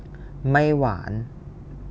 ไม่หวาน